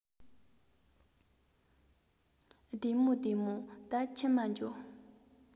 བདེ མོ བདེ མོ ད ཁྱིམ མ འགྱོ